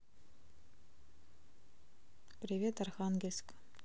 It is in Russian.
привет архангельск